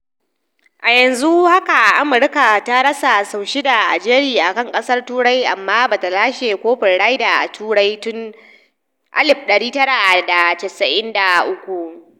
A yanzu haka Amurka ta rasa sau shida a jere akan kasar Turai kuma ba ta lashe kofin Ryder a Turai tun 1993.